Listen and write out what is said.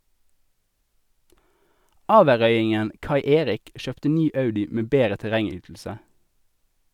Averøyingen Kai Erik kjøpte ny Audi med bedre terrengytelse.